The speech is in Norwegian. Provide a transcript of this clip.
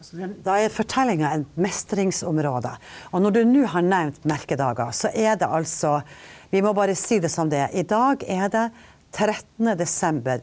men da er fortellinga en mestringsområde, og når du nå har nevnt merkedager så er det altså, vi må bare si det som det er, i dag er det trettende desember.